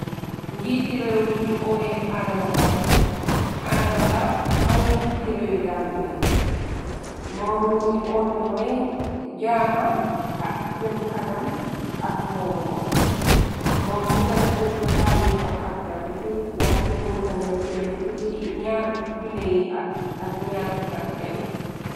njiiti réew bi ñu ooye aadama baro moy njiiti réew yi gamba moom limiy oote mooy jaama ak jem kanam ak mboolo moom bu gëna puñu sàrnil ko karta dipi waxtu bum fa nekke dipi ñaar j0n yi at ak 2aa fk1